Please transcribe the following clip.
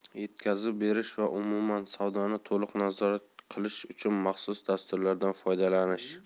yetkazib berish va umuman savdoni to'liq nazorat qilish uchun maxsus dasturlardan foydalanish